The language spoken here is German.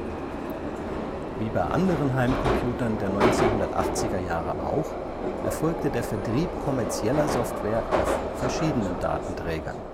Wie bei anderen Heimcomputern der 1980er Jahre auch erfolgte der Vertrieb kommerzieller Software auf verschiedenen Datenträgern